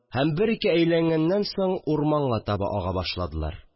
Һәм, бер-ике әйләнгәннән соң, урманга таба ага башылар